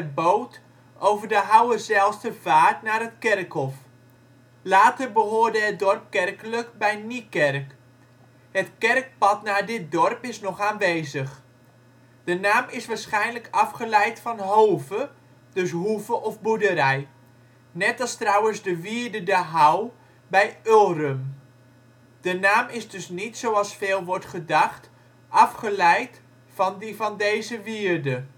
boot over de Houwerzijlstervaart naar het kerkhof. Later behoorde het dorp kerkelijk bij Niekerk. Het kerkpad naar dit dorp is nog aanwezig. De naam is waarschijnlijk afgeleid van hove, dus hoeve of boerderij. Net als trouwens de wierde De Houw bij Ulrum. De naam is dus niet, zoals veel wordt gedacht, afgeleid van die van deze wierde